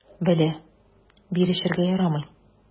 Белә: бирешергә ярамый.